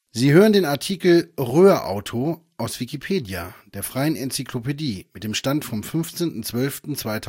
Sie hören den Artikel Röhr Auto, aus Wikipedia, der freien Enzyklopädie. Mit dem Stand vom Der